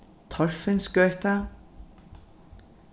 torfinsgøta